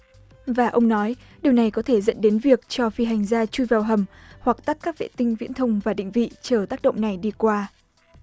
và ông nói điều này có thể dẫn đến việc cho phi hành gia chui vào hầm hoặc tắt các vệ tinh viễn thông và định vị chờ tác động này đi qua